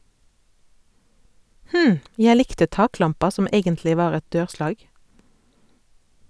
Hm, jeg likte taklampa som egentlig var et dørslag.